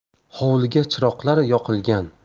hovliga chiroqlar yoqilgan